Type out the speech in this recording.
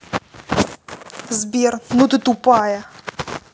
сбер ну ты тупая